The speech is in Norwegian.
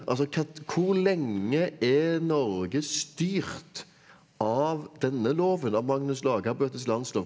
altså hvor lenge er Norge styrt av denne loven av Magnus Lagabøtes landslov?